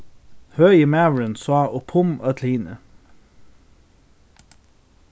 høgi maðurin sá upp um øll hini